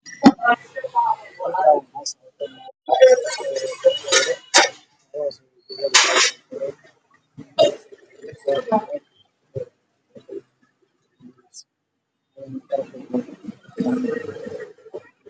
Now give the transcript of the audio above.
Meeshaan waxaan maraysa goor wato xujo gaduud ah iyo dirac yaa waxayna gacanta ku wadataa qoryo iyo geedo